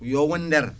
yo won nder